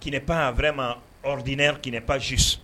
K pan wɛrɛ ma dinɛ kɛnɛ panzs